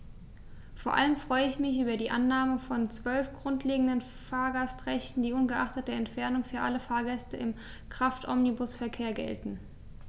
Vor allem freue ich mich über die Annahme von 12 grundlegenden Fahrgastrechten, die ungeachtet der Entfernung für alle Fahrgäste im Kraftomnibusverkehr gelten.